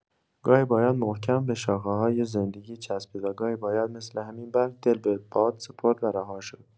گاهی باید محکم به شاخه‌های زندگی چسبید و گاهی باید مثل همین برگ، دل به باد سپرد و رها شد.